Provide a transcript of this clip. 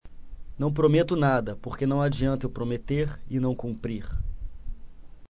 não prometo nada porque não adianta eu prometer e não cumprir